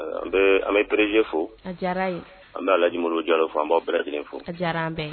An bɛ PDG_ fo a diyar'a ye, n bɛ Alaji Modibi Jalo fo an b'a bɛɛ lajɛlen fo, a diyara an bɛɛ ye